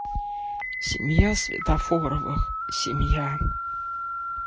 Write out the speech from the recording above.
семья светофоровых семья